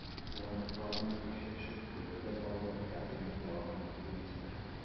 Урындыкларның, күчә төшеп, дөбердәп алуы— тәкъдимнең дәвамын көтү билгеседер.